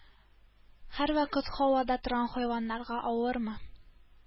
Һәрвакыт һавада торган хайваннарга авырмы?